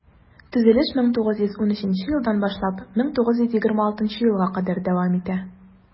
Төзелеш 1913 елдан башлап 1926 елга кадәр дәвам итә.